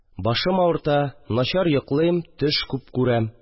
Башым авырта, начар йоклыйм, төш күп күрәм